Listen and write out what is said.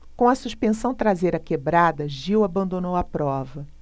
com a suspensão traseira quebrada gil abandonou a prova